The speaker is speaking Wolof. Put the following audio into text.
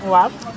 waaw